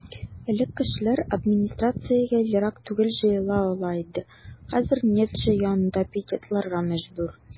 Элек кешеләр администрациягә ерак түгел җыела ала иде, хәзер "Нефтьче" янында пикетларга мәҗбүр.